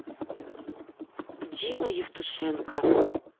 дима евтушенко